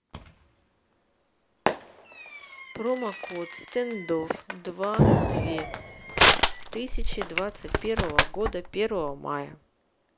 промокод standoff два две тысячи двадцать первого года первого мая